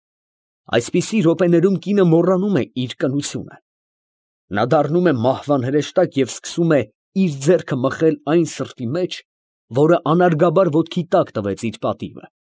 Այսպիսի րոպեներում կինը մոռանում է իր կնությունը. նա դառնում է մահվան հրեշտակ և սկսում է իր ձեռքը մխել այն սրտի մեջ, որը անարգաբար ոտքի տակ տվեց իր պատիվը։